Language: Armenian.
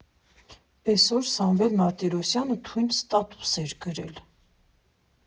Էսօր Սամվել Մարտիրոսյանը թույն ստատուս էր գրել…